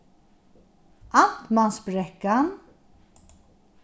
amtmansbrekkan